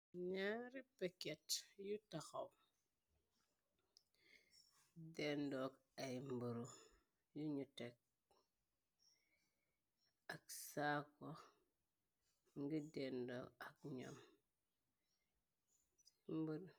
Naari paket yu taxaw dendoog ay mburu yuñu tekk ak saako ngi dendoog ak ñoom.